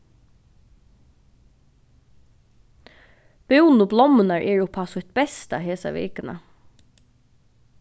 búnu blommurnar eru upp á sítt besta hesa vikuna